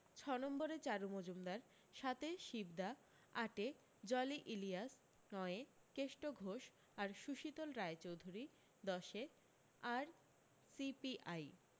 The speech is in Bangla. ছ নম্বরে চারু মজুমদার সাতে শিবদা আটে জলি ইলিয়াস নয়ে কেষ্ট ঘোষ আর সুশীতল রায়চৌধুরী দশে আর সিপিআই